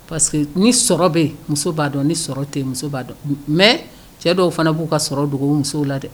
Parce que ni sɔrɔ bɛ muso b'a dɔn ni sɔrɔ tɛ muso b'a dɔn mɛ cɛ dɔw fana b'u ka sɔrɔ dugawu musow la dɛ